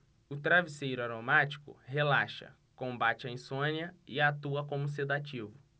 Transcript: o travesseiro aromático relaxa combate a insônia e atua como sedativo